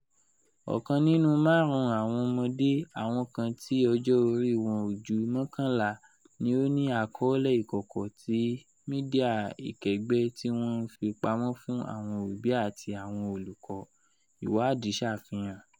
Ọkan nínú maarun awọn ọmọde – awọn kan ti ọjọ ori wọn o ju 11 - ni o ni akọọlẹ ikọkọ ti midia ikẹgbẹ ti wọn n fi pamọ fun awọn obi ati awọn olukọ, iwaadi ṣafian